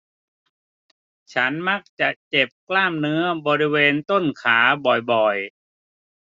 ฉันมักจะเจ็บกล้ามเนื้อบริเวณต้นขาบ่อยบ่อย